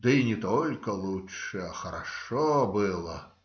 Да и не только лучше, а хорошо было.